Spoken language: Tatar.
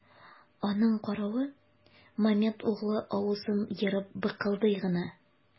Аның каравы, Мамед углы авызын ерып быкылдый гына.